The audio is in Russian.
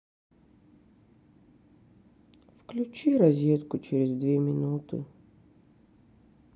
включи розетку через две минуты